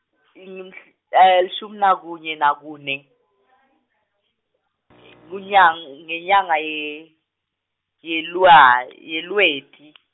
ngamhl- lishumi nakunye nakune kunyang- ngenyanga ye, ye Lwa- , ye Lweti.